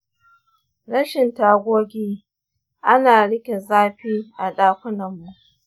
rashin tagogi a na rike zafi a ɗakunanmu.